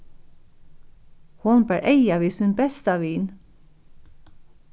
hon bar eyga við sín besta vin